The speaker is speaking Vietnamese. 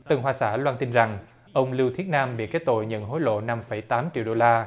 tân hoa xã loan tin rằng ông lưu thiết nam bị kết tội nhận hối lộ năm phẩy tám triệu đô la